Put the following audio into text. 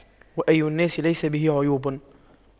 وأي الناس ليس به عيوب